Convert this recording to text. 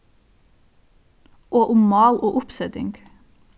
og um mál og uppseting